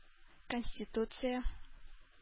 Конституция